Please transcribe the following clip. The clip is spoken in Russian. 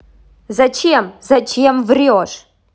зачем зачем врешь